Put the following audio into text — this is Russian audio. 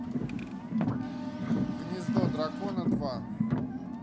гнездо дракона два